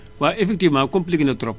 waaw effectivement compliqué na trop